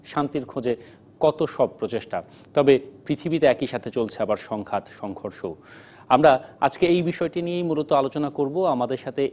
শান্তির খোঁজে কত সব প্রচেষ্টা তবে পৃথিবীতে একই সাথে চলছে আবার সংঘাত সংঘর্ষ আমরা আজকে এই বিষয়টি নিয়েই মূলত আলোচনা করব আমাদের সাথে